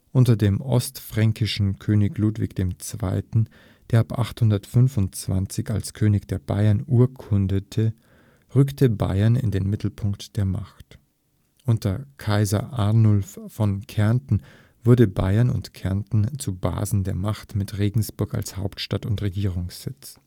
Unter dem ostfränkischen König Ludwig II., der ab 825 als König der Baiern urkundete, rückte Baiern in den Mittelpunkt der Macht. Unter Kaiser Arnulf von Kärnten wurden Baiern und Kärnten zu Basen der Macht mit Regensburg als Hauptstadt und Regierungssitz